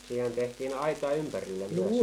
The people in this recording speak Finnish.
siihen tehtiin aita ympärille myös